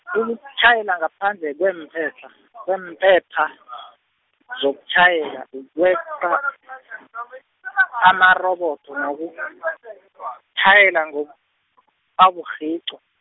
ukutjhayela ngaphandle kweempepha, kweempepha zokutjhayela, ukweqa, amarobodo, nokutjhayela, ngobu-, aburhiqwa.